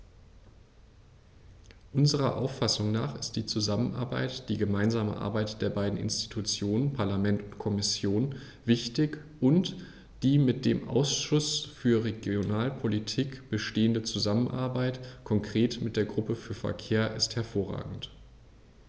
Unserer Auffassung nach ist die Zusammenarbeit, die gemeinsame Arbeit der beiden Institutionen - Parlament und Kommission - wichtig, und die mit dem Ausschuss für Regionalpolitik bestehende Zusammenarbeit, konkret mit der Gruppe für Verkehr, ist hervorragend.